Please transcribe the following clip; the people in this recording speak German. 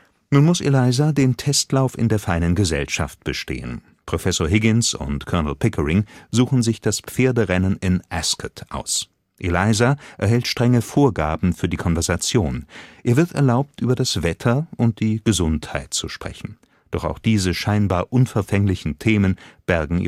muss Eliza den Testlauf in der feinen Gesellschaft bestehen. Professor Higgins und Colonel Pickering suchen sich das Pferderennen in Ascot aus. Eliza erhält strenge Vorgaben für die Konversation; ihr wird erlaubt über das Wetter und die Gesundheit zu sprechen. Doch auch diese scheinbar unverfänglichen Themen bergen